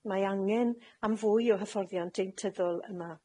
Mae angen am fwy o hyfforddiant deintyddol yma.